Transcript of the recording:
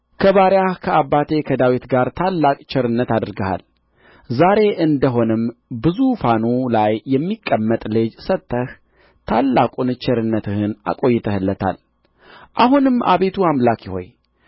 ከባሪያህ ከአባቴ ከዳዊት ጋር ታላቅ ቸርነት አድርገሃል ዛሬ እንደ ሆነም በዙፋኑ ላይ የሚቀመጥ ልጅ ሰጥተህ ታላቁን ቸርነትህን አቆይተህለታል አሁንም አቤቱ አምላኬ ሆይ